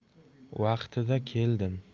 vaqtida keldim